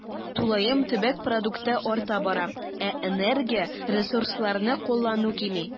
Тулаем төбәк продукты арта бара, ә энергия, ресурсларны куллану кими.